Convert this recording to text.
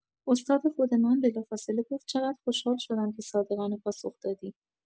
استاد خود من بلافاصله گفت چقدر خوشحال شدم که صادقانه پاسخ دادی!